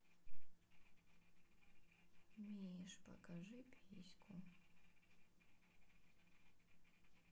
миш покажи письку